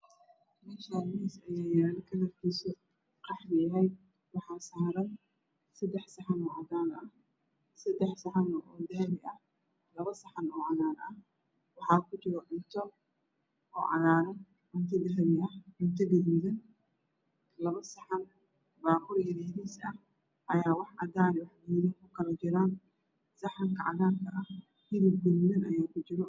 Meshan miis aya yaalo kalarkisa qaxwe yahy waxa saaran sadex saxan oo cadan ah sadex saxan oo dahabi ah labo saxan oo cagar ah waxa ku jiro cunto cagaran cuno dahabi ah cunto gadudan labo saxan baquli yar yaris ah aya wax cadan ku kala jiran saxanka cagarka hilib gadudan aya ku jiro